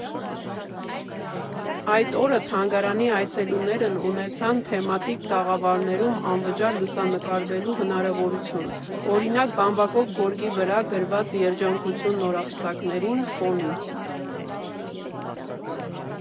Այդ օրը թանգարանի այցելուներն ունեցան թեմատիկ տաղավարներում անվճար լուսանկարվելու հնարավորություն (օրինակ՝ բամբակով գորգի վրա գրված «Երջանկություն նորապսակներին» ֆոնին)։